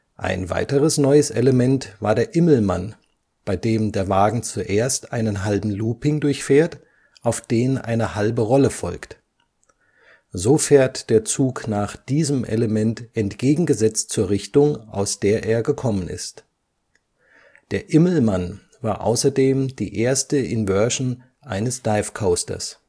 Ein weiteres neues Element war der Immelmann, bei dem der Wagen zuerst einen halben Looping durchfährt, auf den eine halbe Rolle folgt. So fährt der Zug nach diesem Element entgegengesetzt zur Richtung, aus der er gekommen ist. Der Immelmann war außerdem die erste Inversion eines Dive Coasters